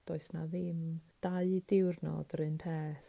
does 'na ddim dau diwrnod yr un peth